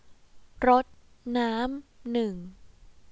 รดน้ำหนึ่ง